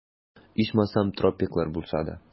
Ичмасам, тропиклар булса да...